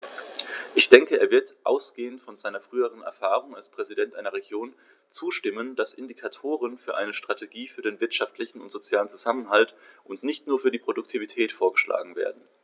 Ich denke, er wird, ausgehend von seiner früheren Erfahrung als Präsident einer Region, zustimmen, dass Indikatoren und eine Strategie für den wirtschaftlichen und sozialen Zusammenhalt und nicht nur für die Produktivität vorgeschlagen werden.